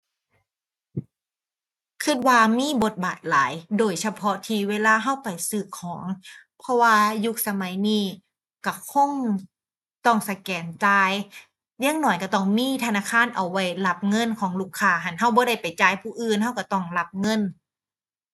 คิดว่ามีบทบาทหลาย โดยเฉพาะที่เวลาคิดไปซื้อของ เพราะว่ายุคสมัยนี้คิดคงต้องสแกนจ่าย อย่างน้อยคิดต้องมีธนาคารเอาไว้รับเงินของลูกค้า หั้นคิดบ่ได้ไปจ่ายผู้อื่นคิดคิดต้องรับเงิน